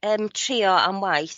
yym trio am waith